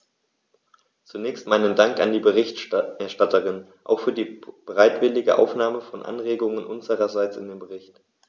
Zunächst meinen Dank an die Berichterstatterin, auch für die bereitwillige Aufnahme von Anregungen unsererseits in den Bericht.